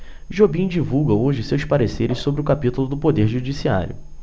jobim divulga hoje seus pareceres sobre o capítulo do poder judiciário